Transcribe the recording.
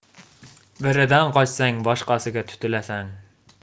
biridan qochsang boshqasiga tutilsang